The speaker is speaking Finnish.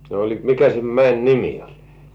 no oliko mikä sen mäen nimi oli